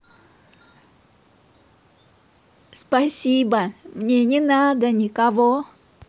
спасибо мне не надо никого